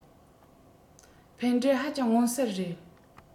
ཕན འབྲས ཧ ཅང མངོན གསལ རེད